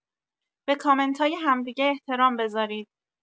به کامنتای هم دیگه احترام بزارید.